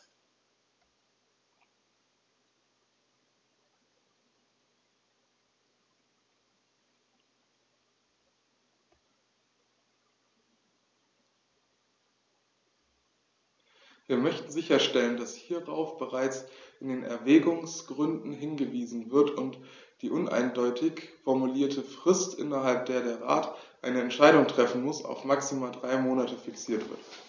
Wir möchten sicherstellen, dass hierauf bereits in den Erwägungsgründen hingewiesen wird und die uneindeutig formulierte Frist, innerhalb der der Rat eine Entscheidung treffen muss, auf maximal drei Monate fixiert wird.